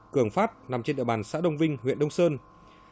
cường phát nằm trên địa bàn xã đông vinh huyện đông sơn